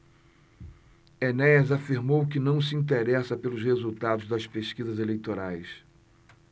enéas afirmou que não se interessa pelos resultados das pesquisas eleitorais